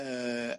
yy